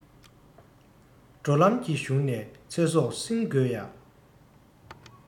འགྲོ ལམ གྱི གཞུང ནས ཚེ སྲོག བསྲིངས དགོས ཡ